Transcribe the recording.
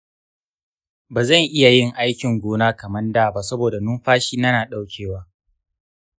ba zan iya yin aikin gona kamar dā ba saboda numfashina na ɗaukewa .